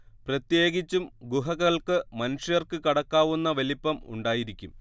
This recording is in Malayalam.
പ്രത്യേകിച്ചും ഗുഹകൾക്ക് മനുഷ്യർക്ക് കടക്കാവുന്ന വലിപ്പം ഉണ്ടായിരിക്കും